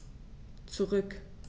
Zurück.